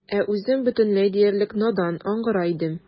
Ә үзем бөтенләй диярлек надан, аңгыра идем.